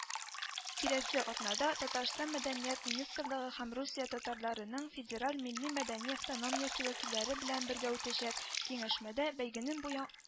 Киләсе атнада Татарстан мәдәният министрлыгы һәм Русия татарларының федераль милли-мәдәни автономиясе вәкилләре белән бергә үтәчәк киңәшмәдә бәйгенең бу яң